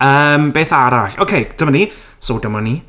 Yym, beth arall? Ok! Dyma ni. So, dyma ni.